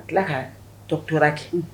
A tila ka tɔ tora kɛ